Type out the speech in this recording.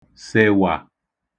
sèwà